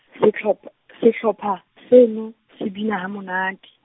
sehlop-, sehlopha, seno, se bina ha monate.